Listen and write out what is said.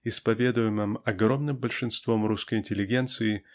исповедуемом огромным большинством русской интеллигенции